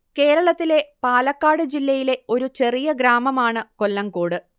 കേരളത്തിലെ പാലക്കാട് ജില്ലയിലെ ഒരു ചെറിയ ഗ്രാമമാണ് കൊല്ലങ്കോട്